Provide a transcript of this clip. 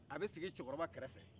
a bɛ sigi cɛkɔrɔba kɛrɛfɛ